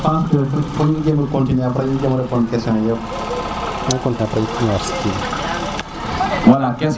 je pense que i djemo continuer aprés ñu jema répondre question ne aprés ñuy soga ñëwaat si bi